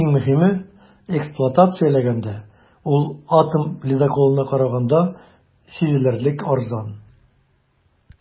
Һәм, иң мөһиме, эксплуатацияләгәндә ул атом ледоколына караганда сизелерлек арзан.